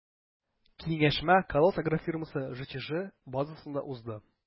Киңәшмә “Колос” агрофирмасы” ҖЧҖ базасында узды.